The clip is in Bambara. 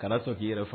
Kana sɔn k'i yɛrɛ fɔ